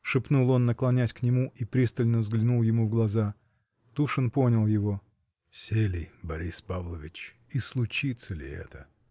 — шепнул он, наклонясь к нему, и пристально взглянул ему в глаза. Тушин понял его. — Все ли, Борис Павлович? И случится ли это?